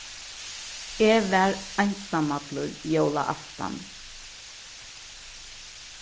eg var einsamallur jólaaftan